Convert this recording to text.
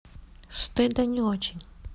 стыда не очень